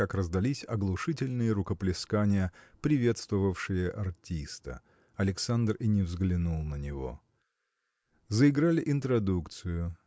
как раздались оглушительные рукоплескания приветствовавшие артиста. Александр и не взглянул на него. Заиграли интродукцию.